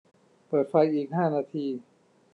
เปิดไฟอีกห้านาที